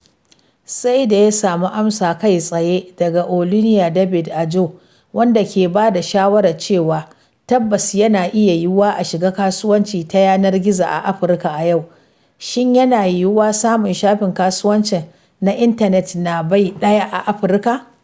Sai dai ya samu amsa kai tsaye daga Oluniyi David Ajao, wanda ke ba da shawarar cewa a tabbas yana iya yiwuwa a shiga kasuwanci ta yanar gizo a Afirka a yau: “Shin yana yiwuwa samun shafin kasuwanci na intanet na bai ɗaya a Afirka?”